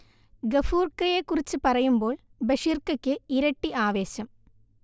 ഗഫൂർക്കയെ കുറിച്ച് പറയുമ്പോൾ ബഷീർക്കക്ക് ഇരട്ടി ആവേശം